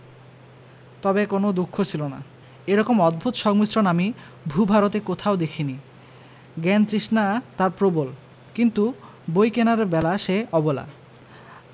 তবে কোন দুঃখ ছিল না এরকম অদ্ভুত সংমিশ্রণ আমি ভূ ভারতে কোথাও দেখি নি জ্ঞানতৃষ্ণা তার প্রবল কিন্তু বই কেনার বেলা সে অবলা